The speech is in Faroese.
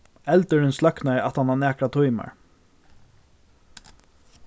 eldurin sløknaði aftan á nakrar tímar